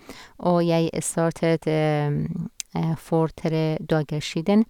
Og jeg startet for tre dager siden.